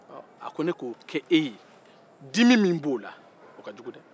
ɔ a ko ne k'o kɛ e ye dimi min b'o la o ka jugu dɛ